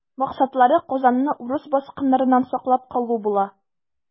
Максатлары Казанны урыс баскыннарыннан саклап калу була.